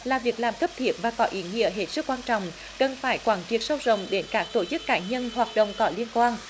là việc làm cấp thiết và có ý nghĩa hết sức quan trọng cần phải quán triệt sâu rộng đến các tổ chức cá nhân hoạt động có liên quan